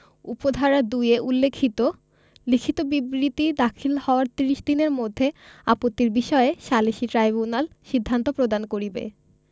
উপ ধারা ২ এ উল্লেখিত লিখিত বিবৃতি দাখিল হওয়ার ত্রিশ দনের মধ্যে আপত্তির বিষয়ে সালিসী ট্রাইব্যুনাল সিদ্ধান্ত প্রদান করিবে